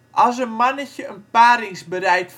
Als een mannetje een paringsbereid